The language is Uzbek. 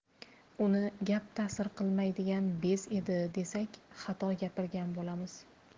uni gap ta'sir qilmaydigan bez edi desak xato gapirgan bo'lamiz